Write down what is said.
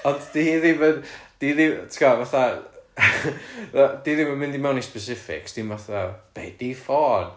Ond 'di hi ddim yn... 'dy hi ddi- ti'n gwbod fatha fatha 'di ddim yn mynd i mewn i specifics dim fatha "be' ydi ffôn?"